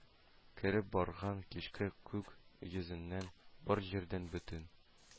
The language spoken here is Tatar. Кереп барган кичке күк йөзеннән, бар җирдән, бөтен